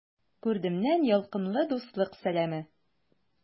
Күрдемнән ялкынлы дуслык сәламе!